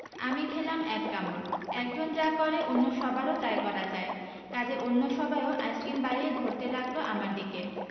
আমি খেলাম এক কামড় একজন যা করে অন্য সবারও তাই করা চাই কাজেই অন্য সবাইও আইসক্রিম বাড়িয়ে ধরতে লাগিল আমার দিকে